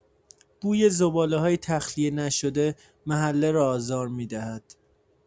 بوی زباله‌های تخلیه‌نشده، محله را آزار می‌دهد.